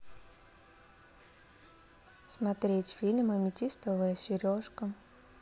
смотреть фильм аметистовая сережка